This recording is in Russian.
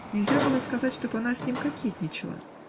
Нельзя было сказать, чтоб она с ним кокетничала